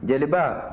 jeliba